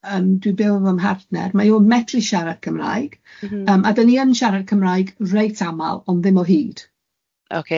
Yym dwi'n byw efo'm mhpartner, mae o'n medru siarad Cymraeg... M-hm. ...yym a dan ni yn siarad Cymraeg reit aml, ond ddim o hyd. Ocê.